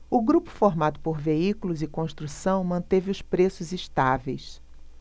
o grupo formado por veículos e construção manteve os preços estáveis